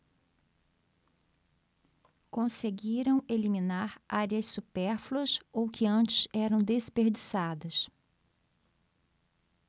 conseguiram eliminar áreas supérfluas ou que antes eram desperdiçadas